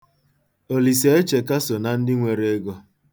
Olisaecheka so na ndị nwere ego.